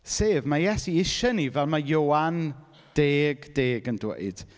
Sef, mae Iesu isie ni, fel mae Ioan deg deg yn dweud.